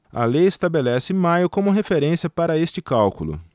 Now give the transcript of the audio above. a lei estabelece maio como referência para este cálculo